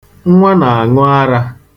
Nnwa na-aṅụ ara.